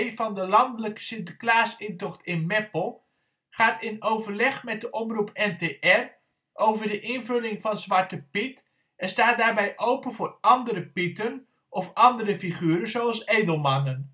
van de landelijke sinterklaasintocht in Meppel gaat in overleg met omroep NTR over de invulling van Zwarte Piet en staat daarbij open voor " andere Pieten of andere figuren zoals edelmannen